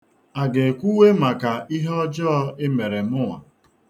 A ga-ekwuwe maka ihe ọjọọ i mere mụnwa?